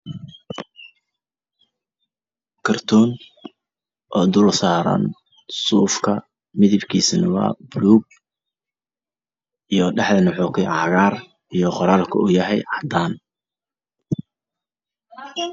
Kartoon dulsaaran suuf midabkiisa waa buluug